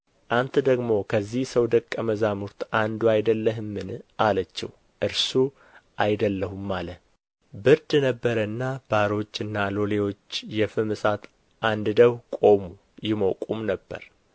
አንተ ደግሞ ከዚህ ሰው ደቀ መዛሙርት አንዱ አይደለህምን አለችው እርሱ አይደለሁም አለ ብርድ ነበረና ባሮችና ሎሌዎች የፍም እሳት አንድደው ቆሙ ይሞቁም ነበር